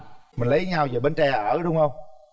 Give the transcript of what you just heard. mình lấy nhau giữa bến tre ở đúng không